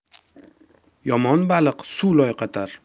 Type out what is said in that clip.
yomon baliq suv loyqatar